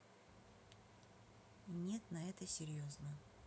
нет на это серьезно